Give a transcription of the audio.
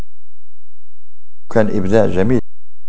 ابداع جميل